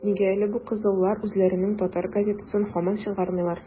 - нигә әле бу кызыллар үзләренең татар газетасын һаман чыгармыйлар?